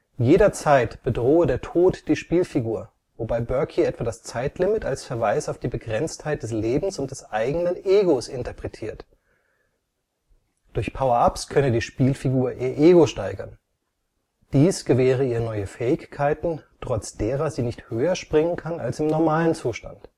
Jederzeit bedrohe der Tod die Spielfigur, wobei Berke etwa das Zeitlimit als Verweis auf die Begrenztheit des Lebens und des eigenen Egos interpretiert. Durch Power-ups könne die Spielfigur ihr Ego steigern. Dies gewähre ihr neue Fähigkeiten, trotz derer sie nicht höher springen kann als im normalen Zustand